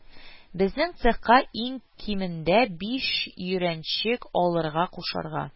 Безнең цехка иң кимендә биш өйрәнчек алырга кушарга